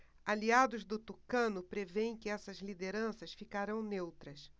aliados do tucano prevêem que essas lideranças ficarão neutras